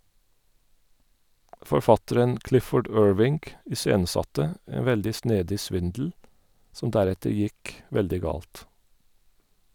Forfatteren Clifford Irving iscenesatte en veldig snedig svindel som deretter gikk veldig galt.